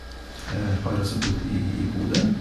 Jeg har jo altså bodd i i Bodø.